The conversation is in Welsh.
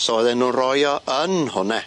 So oedden nw roi o yn hwnne.